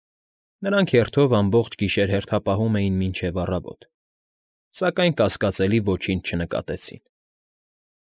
Նրանք հերթով ամբողջ գիշեր հերթապահում էին մինչև առավոտ, սակայն կասկածելի ոչինչ չնկատեցին։